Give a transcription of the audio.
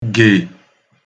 ge